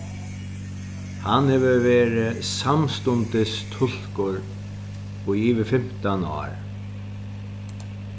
hann hevur verið samstundistulkur í yvir fimtan ár